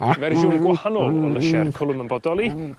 fersiwn gwahanol o lysie'r cwlwm yn bodoli